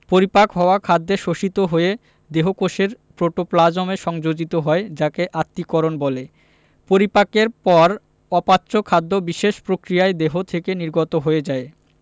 পরিপাক হওয়া খাদ্য শোষিত হয়ে দেহকোষের প্রোটোপ্লাজমে সংযোজিত হয় যাকে আত্তীকরণ বলে পরিপাকের পর অপাচ্য খাদ্য বিশেষ প্রক্রিয়ায় দেহ থেকে নির্গত হয়ে যায়